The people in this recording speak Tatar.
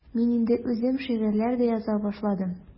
Мин инде үзем шигырьләр дә яза башладым.